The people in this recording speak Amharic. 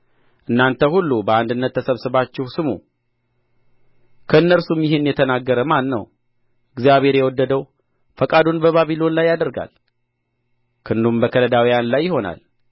እናንተ ሁሉ በአንድነት ተሰብስባችሁ ስሙ ከእነርሱ ይህን የተናገረ ማን ነው እግዚአብሔር የወደደው ፈቃዱን በባቢሎን ላይ ያደርጋል ክንዱም በከለዳውያን ላይ ይሆናል